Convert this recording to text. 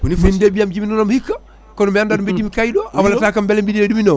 koni foti min de ɓiiyam jibinanoma hikka kono mi anda to beddima kayit o a wallata kam beele yiiya ɗumina o